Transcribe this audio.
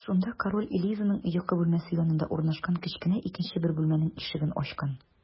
Шунда король Элизаның йокы бүлмәсе янында урнашкан кечкенә икенче бер бүлмәнең ишеген ачкан.